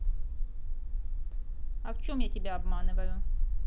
а в чем я тебя обманываю